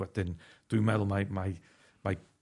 Wedyn dwi'n meddwl mai mai mai